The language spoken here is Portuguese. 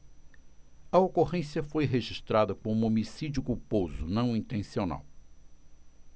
a ocorrência foi registrada como homicídio culposo não intencional